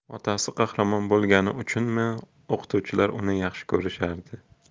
otasi qahramon bo'lgani uchunmi o'qituvchilar uni yaxshi ko'rishardi